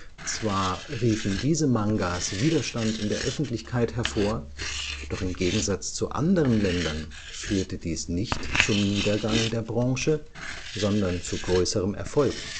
Zwar riefen diese Mangas Widerstand in der Öffentlichkeit hervor, doch im Gegensatz zu anderen Ländern führte dies nicht zum Niedergang der Branche, sondern zu größerem Erfolg